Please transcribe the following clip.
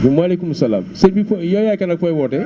maaleykum salaam sën fooy yow yaay kan ak fooy wootee